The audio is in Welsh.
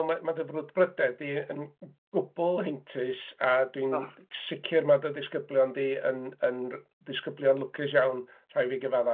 Ma' ma' dy frwdfrydedd di yn gwbl haentus, a dwi'n... o! ...sicr ma' dy ddisgyblion di yn yn ddisgyblion lwcus iawn, rhaid fi gyfaddau.